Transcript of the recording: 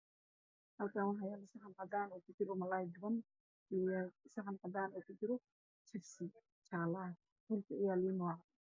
Waa labo saxan waxaa ku jirta cunto cagaar ah sahminta waa caddaan